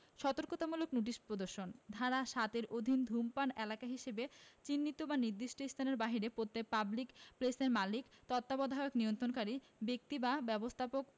সতর্কতামূলক নোটিশ প্রদর্শনঃ ধারা ৭ এর অধীন ধুমপান এলাকা হিসাবে চিহ্নিত বা নির্দিষ্ট স্থানের বাহিরে প্রত্যেক পাবলিক প্লেসের মালিক তত্ত্বাবধায়ক নিয়ন্ত্রণকারী ব্যক্তিবা ব্যবস্থাপক